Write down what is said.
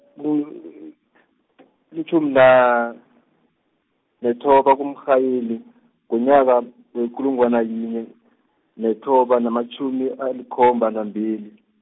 ku litjhumina-, nethoba kuMrhayili, ngonyaka wekulungwana yinye, nethoba namatjhumi alikhomba nambili .